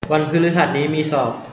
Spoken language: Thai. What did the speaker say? วันพฤหัสนี้มีสอบ